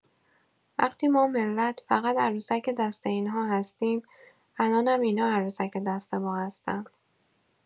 وقتی ما ملت فقط عروسک دست اینا هستیم، الانم اینا عروسک دست ما هستن!